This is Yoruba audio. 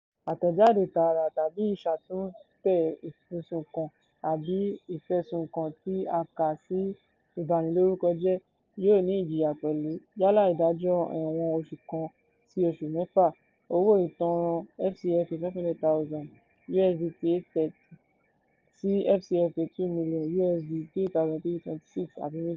Àtẹ̀jáde tààrà tàbí ìṣàtúntẹ̀ ìfẹ̀sùnkàn àbí ìfẹ̀sùnkàn tí a kà sí ìbanilórúkọjẹ́, yóò ní ìjìyà pẹ̀lú yálà ìdájọ́ ẹ̀wọ̀n oṣù kan (01) sí oṣù mẹ́fà (06), owó ìtanràn FCFA 500,000 (USD 830) sí FCFA 2,000,000 (USD 3,326), àbí méjéèjì.